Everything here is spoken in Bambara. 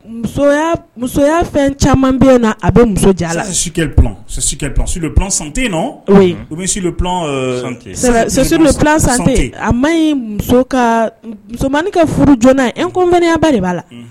Musoya fɛn caman bɛ na a bɛ muso jante u bɛte a ma muso musomanmaninin ka furu jna n ko fanayaba de b'a la